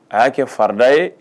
A y'a kɛ farida ye